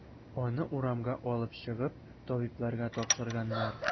Аны урамга алып чыгып, табибларга тапшырганнар.